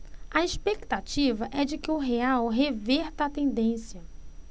a expectativa é de que o real reverta a tendência